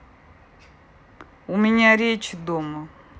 у меня речи дома